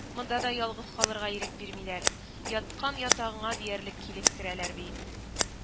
Монда да ялгыз калырга ирек бирмиләр, яткан ятагыңа диярлек килеп керәләр бит